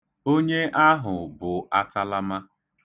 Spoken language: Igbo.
Onye ahụ bụ atalama.